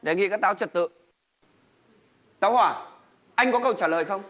đề nghị các táo trật tự tự táo hỏa anh có câu trả lời không